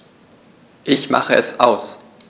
Ich mache es aus.